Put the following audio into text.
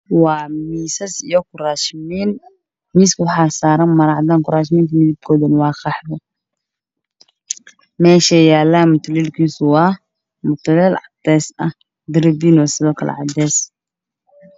Waa miisas iyo kuraasmiin miiska waxaa saaran midabkoodane waa qaxwi maeshay yaalan mutuleed. Mutuleel cadays ah darbiga sidoo kale waa cadays